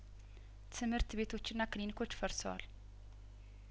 ትምህርት ቤቶችና ክሊኒኮች ፈርሰዋል